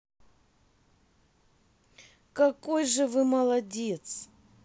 какой же вы молодец